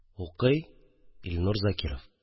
Укый Илнур Закиров